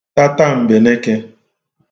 tatam̀bèlekē